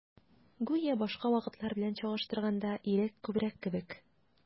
Гүя башка вакытлар белән чагыштырганда, ирек күбрәк кебек.